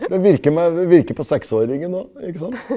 den virker med det virker på seksåringen òg, ikke sant?